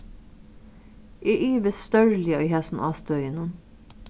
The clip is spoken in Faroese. eg ivist stórliga í hasum ástøðinum